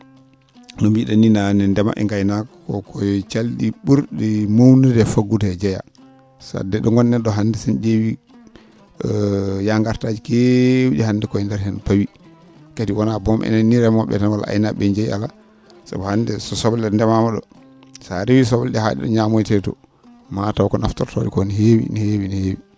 no mbi?en nii naane ndema e ngaynaaka ko ko he cal?i ?ur?i mawnude e faggude hee jeyaa sadde ?o gon?en ?o hannde si en ?eewi yah ngartaaji keew?i hannde koye ndeer heen pawii kadi wonaa boom enen nii remoo?e ?ee tan walla aynaa?e jeyi alaa sabu hannde so soble ndemaama ?o so a remi soble ?ee haa ?o ?e ñamoytee to mataw ko naftortoo ?e koo no heewi no heewi no heewi